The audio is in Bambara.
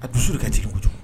A ko su ka ci dugu jɔ